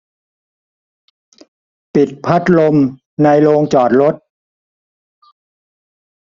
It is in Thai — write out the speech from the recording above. ปิดพัดลมในโรงจอดรถ